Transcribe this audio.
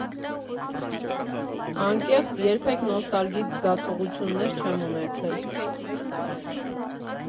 Անկեղծ՝ երբեք նոստալգիկ զգացողություններ չեմ ունեցել։